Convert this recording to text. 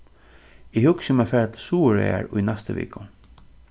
eg hugsi um at fara til suðuroyar í næstu viku